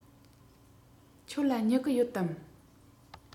ཁྱོད ལ སྨྱུ གུ ཡོད དམ